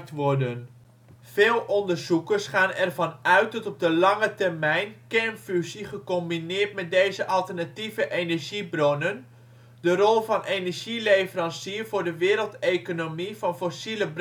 worden. Veel onderzoekers gaan ervan uit dat op de lange termijn kernfusie gecombineerd met deze alternatieve energiebronnen de rol van energieleverancier voor de wereldeconomie van fossiele